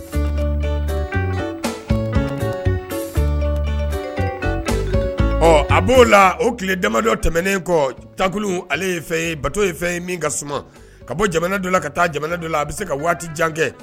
A b'o la o tile dama dɔ tɛmɛnen kɔ taabolokulu bato ye fɛn ka bɔ jamana don ka taa jamana don a bɛ se ka waati jan kɛ